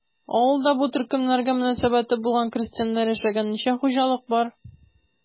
Авылда бу төркемнәргә мөнәсәбәте булган крестьяннар яшәгән ничә хуҗалык бар?